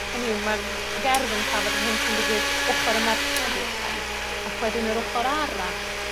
Hynny yw ma'r gerdd yn trafod yr hyn sy'n digwydd ochor y merched i'r ffens, ac wedyn yr ochor arall,